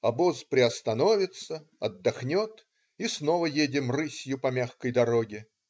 Обоз приостановится, отдохнет, и снова едем рысью по мягкой дороге.